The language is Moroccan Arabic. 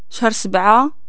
شهر سبعة